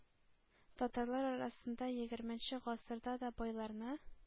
Татарлар арасында егерменче гасырда да байларны,